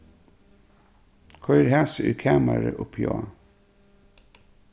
koyr hasi í kamarið uppi á s